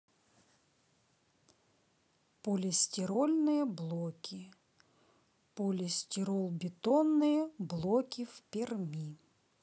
полистирольные блоки полистиролбетонные блоки в перми